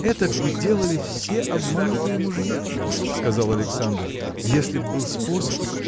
– Этак бы делали все обманутые мужья – сказал Александр – если б был способ.